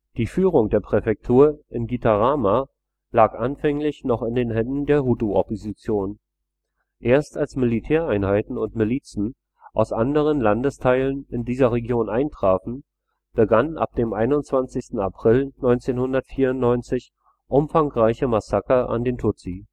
Die Führung der Präfektur in Gitarama lag anfänglich noch in den Händen der Hutu-Opposition. Erst als Militäreinheiten und Milizen aus anderen Landesteilen in dieser Region eintrafen, begannen ab dem 21. April 1994 umfangreiche Massaker an Tutsi